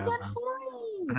Bydd e'n fine.